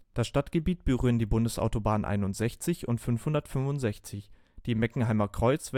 Das Stadtgebiet berühren die Bundesautobahnen 61 und 565, die im Meckenheimer Kreuz